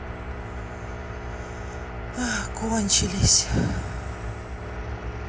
кончились